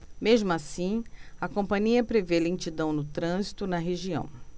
mesmo assim a companhia prevê lentidão no trânsito na região